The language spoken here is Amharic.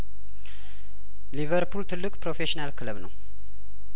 ሊቨርፑል ትልቅ ፕሮፌሽናል ክለብ ነው